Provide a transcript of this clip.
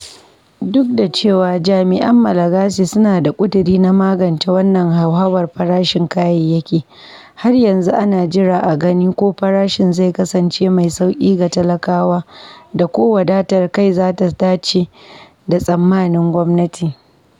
Duk da cewa jami’an Malagasy suna da ƙuduri na magance wannan hauhawar farashin kayayyaki, har yanzu ana jira a gani ko farashin zai kasance mai sauƙi ga talakawa da ko wadatar kai za ta dace da tsammanin gwamnati.